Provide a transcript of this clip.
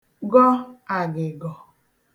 gọ àgị̀gọ̀